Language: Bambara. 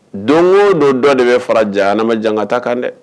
Don o don dɔ de bɛ fara jan adama ma jan kata kan dɛ